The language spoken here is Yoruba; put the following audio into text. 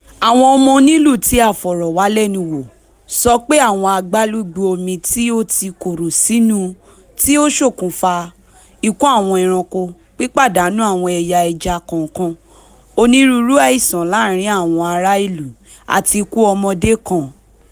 Àwọn ọmọ onílùú tí a fọ̀rọ̀ wá lẹ́nu wo sọ pé àwọn agbalúgbú omi tí ó ti kóró sínú ti ṣokùnfa ikú àwọn ẹranko, pípàdánù àwọn ẹ̀yà ẹja kọọ̀kan, onírúurú aìsàn láàárìn àwn arà ilú, àti ikú ọmọdé kan.